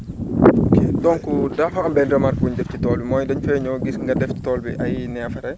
ok donc dafa am benn remarque bu ñu def ci tool bi mooy dañ fee ñëw gis nga def tool bi ay neefere